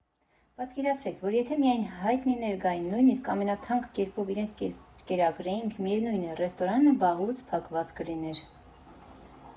Պատկերացրեք, որ եթե միայն հայտնիներ գային, նույնիսկ ամենաթանկ կերպով իրենց կերակրեինք, միևնույն է՝ ռեստորանը վաղուց փակված կլիներ։